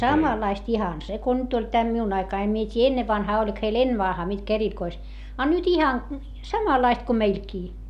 samanlaista ihan se kuin nyt oli tämä minun aikani en minä tiedä ennen vanhaan oliko heillä ennen vanhaan mitkä erikois a nyt ihan samanlaiset kuin meilläkin